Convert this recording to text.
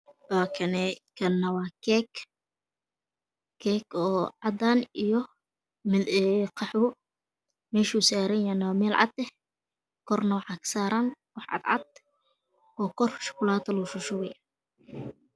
Mashan wax yalo mis kalar kisi waa cadan waxaa saran keeg kalar kisi waa cadan iyo qahwi